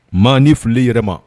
Maa ni fili yɛrɛ ma